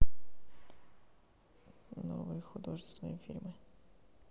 новые художественные фильмы